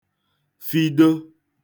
chịkọ̀ba